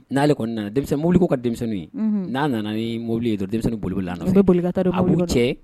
N'ale kɔnɔna na dɛolibili ko ka denmisɛnnin n'a nana ni mobili dɛ denmisɛnnin boliolila nɔfɛ bɛ bolilila ta don aw' cɛ